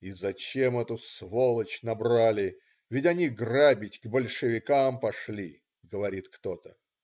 "И зачем эту сволочь набрали, ведь они грабить к большевикам пошли",говорит кто-то.